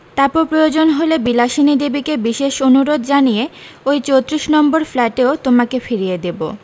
তারপর প্রয়োজন হলে বিলাসিনী দেবীকে বিশেষ অনুরোধ জানিয়ে ওই চোত্রিশ নম্বর ফ্ল্যাটেও তোমাকে ফিরিয়ে দেবো